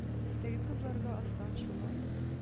Өстәге кызларга астан шулай